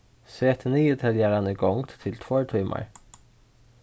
set niðurteljaran í gongd til tveir tímar